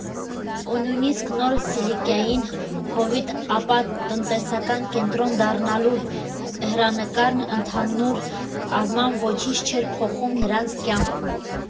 Ու նույնիսկ նոր «սիլիկոնային հովիտ», ապա տնտեսական կենտրոն դառնալու հեռանկարն ընդհանուր առմամբ ոչինչ չէր փոխում նրանց կյանքում։